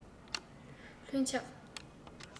ལྷུན ཆགས